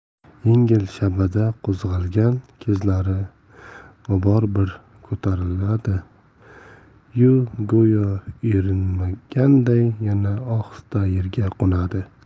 yengil shabada qo'zg'algan kezlari g'ubor bir ko'tariladi yu go'yo eringanday yana ohista yerga qo'nadi